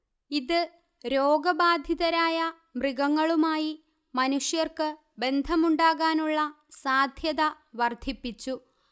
ഇത് രോഗബാധിതരായ മൃഗങ്ങളുമായി മനുഷ്യർക്ക് ബന്ധമുണ്ടാകാനുള്ള സാദ്ധ്യത വർദ്ധിപ്പിച്ചു